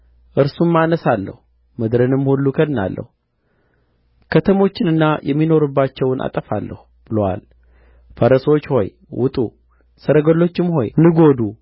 እርሱም እነሣለሁ ምድርንም ሁሉ እከድናለሁ ከተሞችንና የሚኖሩባቸውን አጠፋለሁ ብሎአል ፈረሶች ሆይ ውጡ ሰረገሎችም ሆይ ንጐዱ